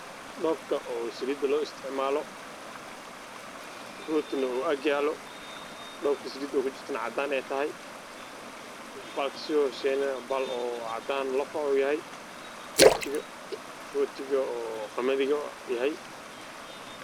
Waa koob midabkiis yahay cadaan rooti agyaalo qamadiga